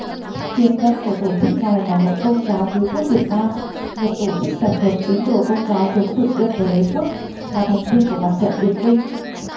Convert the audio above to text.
tiền thân của tổ chức này là hội công giáo cứu quốc việt nam một tổ chức tập hợp tín đồ công giáo chống thực dân và đế quốc là thành viên của mặt trận việt minh